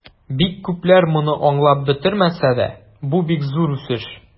Бик күпләр моны аңлап бетермәсә дә, бу бик зур үсеш.